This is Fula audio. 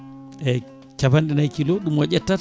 capanɗe naayi kilo ɗum o ƴettata